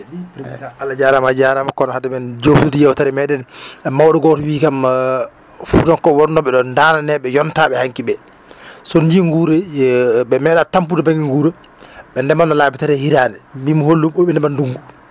* Allah jaaraama a jaaraama kono hade men joofnude yeewtere meeoɗen mawɗo goto wiyi kam Fuutankooɓe wonnooɓe ɗoo ndaananeeɓe yontaaɓe hanki ɓee so on njiyii nguurii ɓe meeɗaa tampude baŋnge nguura ɓe ndemanno laabi tati e hitaande ndee mbiyimi holɗum o wiyi ɓe ndema ndungu